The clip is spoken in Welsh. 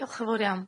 Diolch yn fowr iawn.